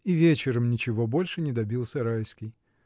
И вечером ничего больше не добился Райский.